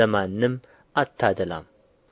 ለማንምም አታደላም